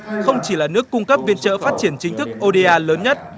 không chỉ là nước cung cấp viện trợ phát triển chính thức ô đê a lớn nhất